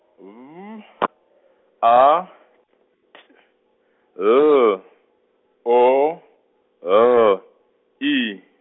B, A, T , L, O, L, I.